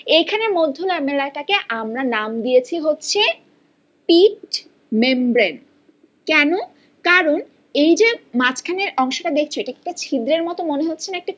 এখানের মধ্য লামেলা টা কে আমরা নাম দিয়েছি হচ্ছে পিট মেমব্রেন কেন কারণ এই যে মাঝখানের অংশটা দেখছে এটা কি একটা ছিদ্রের মত মনে হচ্ছে না একটা